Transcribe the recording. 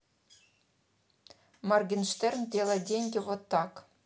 моргенштерн делай деньги вот так